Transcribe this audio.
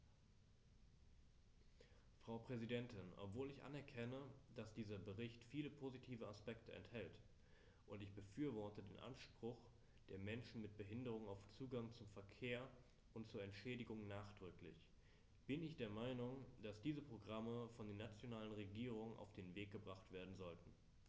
Frau Präsidentin, obwohl ich anerkenne, dass dieser Bericht viele positive Aspekte enthält - und ich befürworte den Anspruch der Menschen mit Behinderung auf Zugang zum Verkehr und zu Entschädigung nachdrücklich -, bin ich der Meinung, dass diese Programme von den nationalen Regierungen auf den Weg gebracht werden sollten.